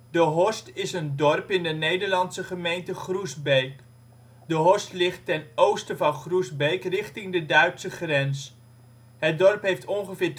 De Horst is een dorp in de Nederlandse gemeente Groesbeek. De Horst ligt ten oosten van Groesbeek richting de Duitse grens. Het dorp heeft ongeveer